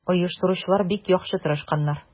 Оештыручылар бик яхшы тырышканнар.